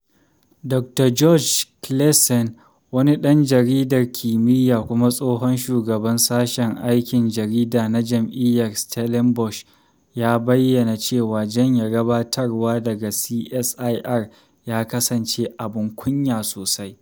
Dr. George Claassen, wani ɗan jaridar kimiyya kuma tsohon shugaban sashen aikin jarida na Jami’ar Stellenbosch, ya bayyana cewa janye gabatarwa daga CSIR ya kasance “abin kunya sosai.”